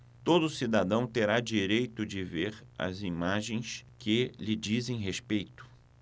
todo cidadão terá direito de ver as imagens que lhe dizem respeito